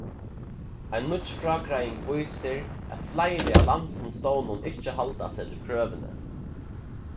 ein nýggj frágreiðing vísir at fleiri av landsins stovnum ikki halda seg til krøvini